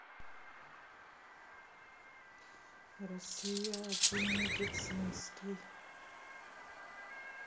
россия один медицинский